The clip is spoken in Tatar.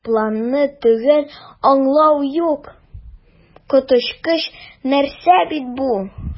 "планны төгәл аңлау юк, коточкыч нәрсә бит бу!"